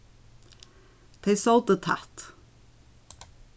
tey sótu tætt